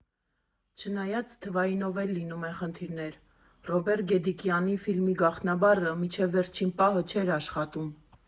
Չնայած թվայինով էլ լինում են խնդիրներ՝ Ռոբեր Գեդիկյանի ֆիլմի գաղտնաբառը մինչև վերջին պահը չէր աշխատում։